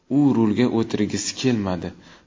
u rulga o'tirgisi kelmadi